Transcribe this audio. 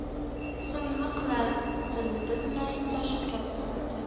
so'ng nima qilarini bilmay tosh kabi qotdi